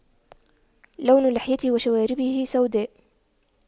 لون لحيته وشواربه سوداء